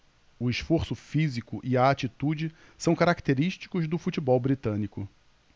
o esforço físico e a atitude são característicos do futebol britânico